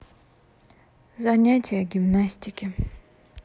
занятие гимнастики